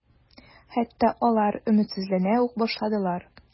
Хәтта алар өметсезләнә үк башладылар.